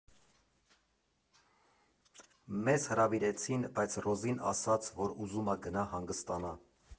Մեզ հրավիրեցին, բայց Ռոզին ասաց, որ ուզում ա գնա հանգստանա։